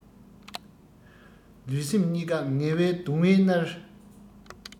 ལུས སེམས གཉིས ཀ ངལ བའི གདུང བས མནར